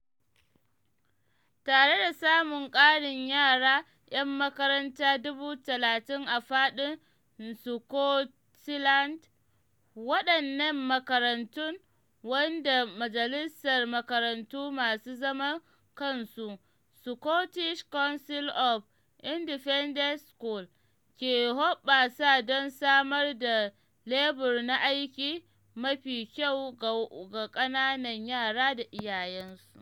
Tare da samun ƙarin yara ‘yan makaranta 30,000 a faɗin Scotland, wadannan makarantun, wanda Majalisar Makarantu Masu Zaman Kansu (Scottish Council of Independent Schools), ke hoɓɓasa don samar da lebur na aiki mafi kyau ga ƙananan yara da iyayensu.